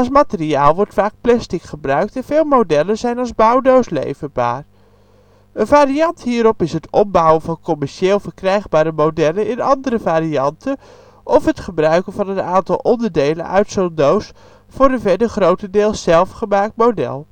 materiaal wordt vaak plastic gebruikt, en veel modellen zijn als bouwdoos leverbaar. Een variant hierop is het ombouwen van commercieel verkrijgbare modellen in andere varianten, of het gebruiken van een aantal onderdelen uit zo 'n doos voor een verder grotendeels zelf gemaakt model